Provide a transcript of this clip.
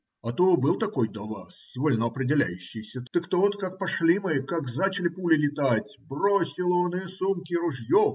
А то был такой до вас вольноопределяющий, так тот, как пошли мы, как зачали пули летать, бросил он и сумки и ружье